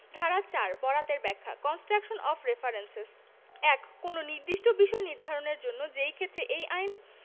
ধারা ৪ বরাতের ব্যাখ্যা কন্সট্রাকশন অফ রেফারেঞ্চেস ১ কোন নির্দিষ্ট বিষয় নির্ধারণের জন্য যেইক্ষেত্রে এই আইন